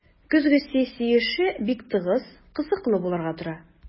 Көзге сессия эше бик тыгыз, кызыклы булырга тора.